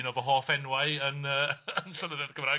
Un o fy hoff enwau yn yy yn Llywodraeth Cymraeg.